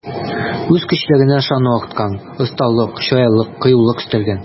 Үз көчләренә ышану арткан, осталык, чаялык, кыюлык өстәлгән.